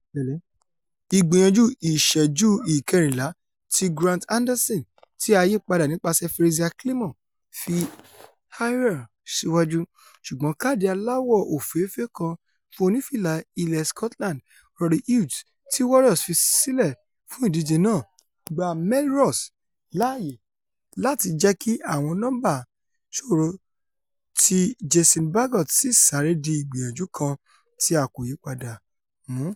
Ìgbìyànjú ìṣẹ́jú ìkẹrìnlá ti Grant Anderson, ti a yípada nípaṣẹ̀ Frazier Climo, fi Ayr síwájú, ṣùgbọ́n káàdì aláwọ̀ òfééèfé kan fún onífìla ilẹ̀ Scotland Rory Hughes, tí Warriors fi sílẹ̀ fún ìdíje náà, gba Melrose láyè láti jẹ́kí àwọn nọmba sọ̀rọ̀ tí Jason Baggot sì sáré di ìgbìyànjú kan tí a kò yípadà mu.